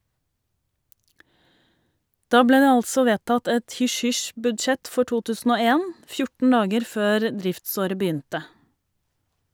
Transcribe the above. Da ble det altså vedtatt et hysj-hysj-budsjett for 2001 , 14 dager før driftsåret begynte.